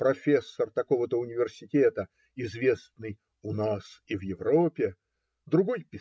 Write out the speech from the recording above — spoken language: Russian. профессор такого-то университета, известный "у нас и в Европе", другой